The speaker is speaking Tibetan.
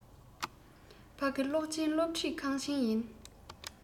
ཕ གི གློག ཅན སློབ ཁྲིད ཁང ཆེན ཡིན